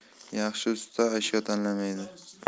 yaxshi usta ashyo tanlamaydi